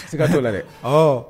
I sika to la dɛ h